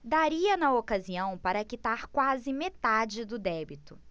daria na ocasião para quitar quase metade do débito